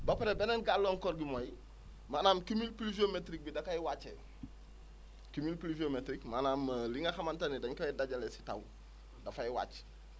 ba pare beneen gàllankoor bi mooy maanaam cumul pluviométrique bi da koy wàccee cumul pluviométrique maanaam li nga xamante ne dañ koy dajale si taw dafay wàcc